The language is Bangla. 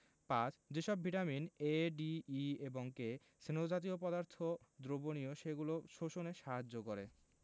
৫. যে সব ভিটামিন এ ডি ই এবং কে স্নেহ জাতীয় পদার্থ দ্রবণীয় সেগুলো শোষণে সাহায্য করে